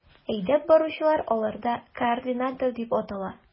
Әйдәп баручылар аларда координатор дип атала.